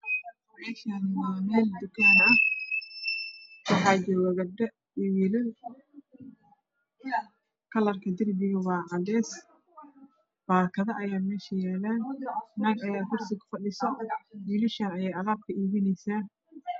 Meshan waa mel dukan ah waxa joogo wll io gabdho kalarka dirbiga waa cades bakado ayaa mesh yalan naag aya kursi kufadhido wllshan eey alab kaibineysa